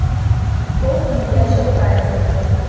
кто впиздячил тайсон